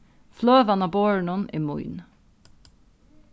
fløgan á borðinum er mín